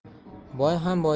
boy ham boyga